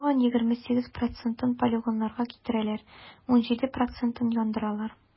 Тагын 28 процентын полигоннарга китерәләр, 17 процентын - яндыралар.